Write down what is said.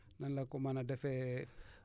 nan la ko mën a defee